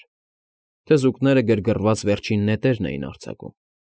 Էր. թզուկները գրգռված վերջին նետերն էին արձակում։